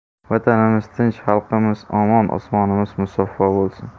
vatanimiz tinch xalqimiz omon osmonimiz musaffo bo'lsin